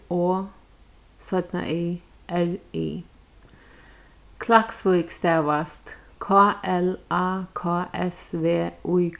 o y r i klaksvík stavast k l a k s v í